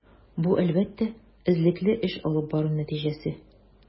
Бу, әлбәттә, эзлекле эш алып бару нәтиҗәсе.